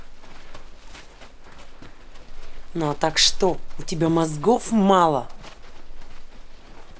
ну а так что у тебя мозгов мало